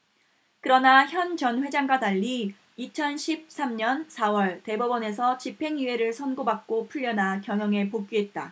그러나 현 전 회장과 달리 이천 십 삼 년 사 월 대법원에서 집행유예를 선고 받고 풀려나 경영에 복귀했다